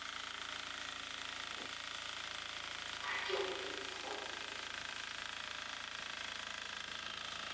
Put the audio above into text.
артем пименов